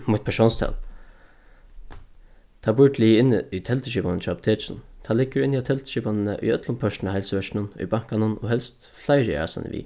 mítt persónstal tað burdi ligið inni í telduskipanini hjá apotekinum tað liggur inni á telduskipanini í øllum pørtum av heilsuverkinum í bankanum og helst fleiri aðrastaðni við